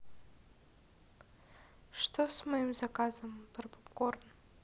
что с моим заказом про попкорн